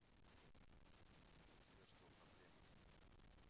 у тебя что проблема